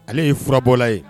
Ale ye furabɔla ye